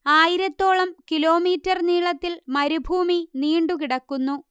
ആയിരത്തോളം കിലോമീറ്റർ നീളത്തിൽ മരുഭൂമി നീണ്ടു കിടക്കുന്നു